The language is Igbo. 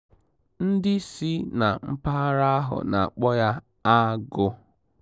Ndị si na mpaghara ahụ na-akpọ ya "agụ"